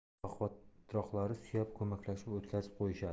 baquvvatroqlari suyab ko'maklashib o'tkazib qo'yishadi